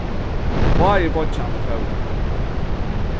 báðir beiggjarnir fóru